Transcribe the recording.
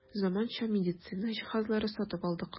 Заманча медицина җиһазлары сатып алдык.